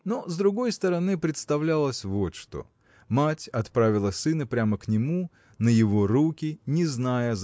Но, с другой стороны, представлялось вот что мать отправила сына прямо к нему на его руки не зная